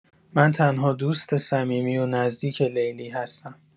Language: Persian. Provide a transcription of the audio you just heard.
من تنها دوست صمیمی و نزدیک لیلی هستم.